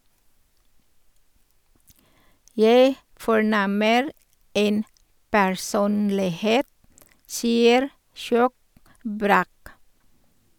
Jeg fornemmer en personlighet, sier Skjåk Bræk.